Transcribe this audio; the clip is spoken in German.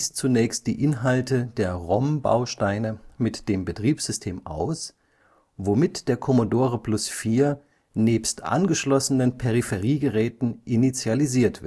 zunächst die Inhalte der ROM-Bausteine mit dem Betriebssystem aus, womit der Commodore Plus/4 nebst angeschlossenen Peripheriegeräten initialisiert